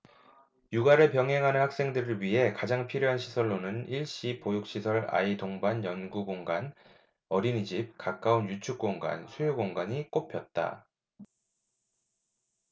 육아를 병행하는 학생들을 위해 가장 필요한 시설로는 일시 보육시설 아이 동반 연구 공간 어린이집 가까운 유축공간 수유공간이 꼽혔다